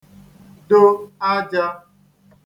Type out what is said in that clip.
-do ajā